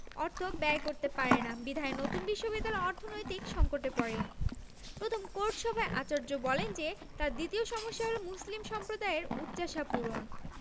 অর্থ ব্যয় করতে পারে না বিধায় নতুন বিশ্ববিদ্যালয় অর্থনৈতিক সংকটে পড়ে প্রথম কোর্ট সভায় আচার্য বলেন যে তাঁর দ্বিতীয় সমস্যা হলো মুসলিম সম্প্রদায়ের উচ্চাশা পূরণ